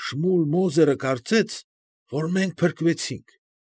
Շմուլ Մոզերը կարծեց, որ մենք փրկվեցինք։